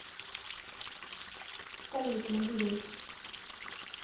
салют набери